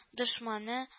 Дошманы